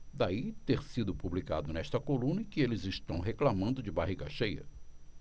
daí ter sido publicado nesta coluna que eles reclamando de barriga cheia